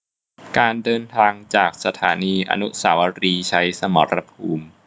การเดินทางจากสถานีอนุสาวรีย์ชัยสมรภูมิ